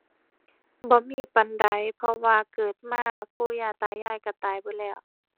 บ่มีปานใด เพราะว่าเกิดมาปู่ย่าตายายก็ตายเบิดแล้ว